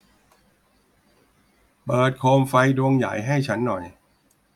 เปิดโคมไฟดวงใหญ่ให้ฉันหน่อย